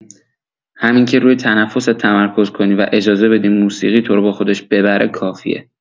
همین که روی تنفست تمرکز کنی و اجازه بدی موسیقی تو رو با خودش ببره کافیه.